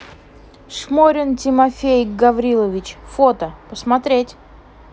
шморин тимофей гаврилович фото смотреть